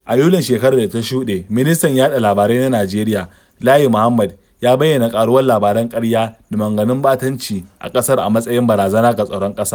A Yulin shekarar da ta shuɗe, ministan yaɗa labarai na Najeriya, Lai Mohammed, ya bayyana ƙaruwar labaran ƙarya da maganganun ɓatanci a ƙasar a matsayin barazana ga tsaron ƙasa.